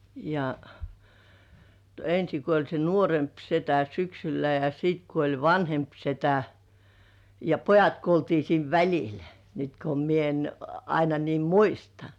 ja ensin kuoli se nuorempi setä syksyllä ja sitten kuoli vanhempi setä ja pojat kuoltiin siinä välillä nyt kun minä en aina niin muista